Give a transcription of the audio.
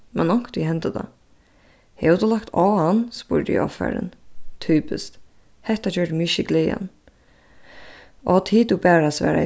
men onkuntíð hendir tað hevur tú lagt á hann spurdi eg ovfarin typiskt hetta gjørdi meg ikki glaðan áh tig tú bara svaraði